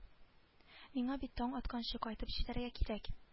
Миңа бит таң атканчы кайтып җитәргә кирәк